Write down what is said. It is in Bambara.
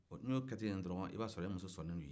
ni y'o kɛtɔ ye dɔrɔn i b'a sɔrɔ e muso sonnen don i ye